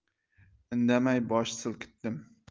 indamay bosh silkidim